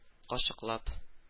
Кашыклап